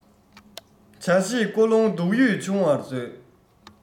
བྱ ཤེས ཀོ ལོང སྡུག ཡུས ཆུང བར མཛོད